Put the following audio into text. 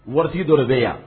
Wari dɔ bɛ yan